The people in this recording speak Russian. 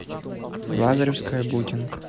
лазаревская букинг